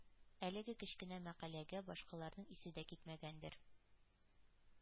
Әлеге кечкенә мәкаләгә башкаларның исе дә китмәгәндер,